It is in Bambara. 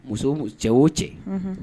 Muso cɛ o cɛ